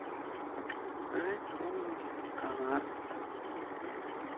лжец умный и коварный